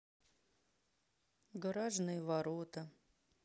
гаражные ворота